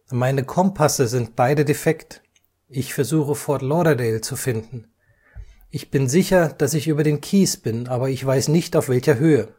Meine Kompasse sind beide defekt. Ich versuche Fort Lauderdale zu finden. Bin sicher, dass ich über den Keys bin, aber ich weiß nicht, auf welcher Höhe